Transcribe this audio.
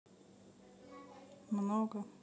много